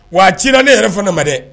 Wa ci na ne yɛrɛ fana ma dɛ